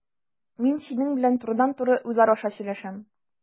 Мин синең белән турыдан-туры уйлар аша сөйләшәм.